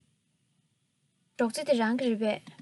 སྒྲོག རྩེ འདི རང གི རེད པས